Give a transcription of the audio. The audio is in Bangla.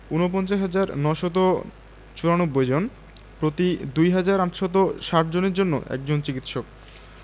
৪৯হাজার ৯৯৪ জন প্রতি ২হাজার ৮৬০ জনের জন্য একজন চিকিৎসক